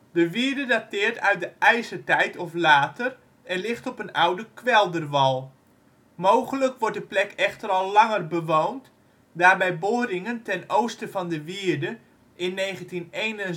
De wierde dateert uit de IJzertijd of later en ligt op een oude kwelderwal. Mogelijk wordt de plek echter al langer bewoond, daar bij boringen ten oosten van de wierde in 1971